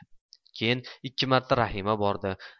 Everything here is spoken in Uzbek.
keyin ikki marta rahima bordi